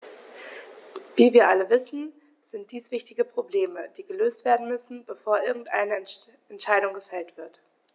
Wie wir alle wissen, sind dies wichtige Probleme, die gelöst werden müssen, bevor irgendeine Entscheidung gefällt wird.